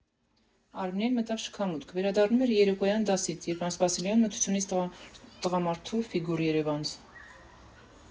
Արմինեն մտավ շքամուտք՝ վերադառնում էր երեկոյան դասից, երբ անսպասելիորեն մթությունից տղամարդու ֆիգուր երևանց։